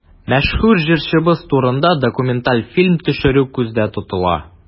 Мәшһүр җырчыбыз турында документаль фильм төшерү күздә тотыла.